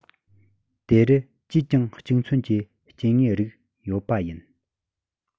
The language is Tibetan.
དེ རུ ཅིས ཀྱང གཅིག མཚུངས ཀྱི སྐྱེ དངོས རིགས ཡོད པ ཡིན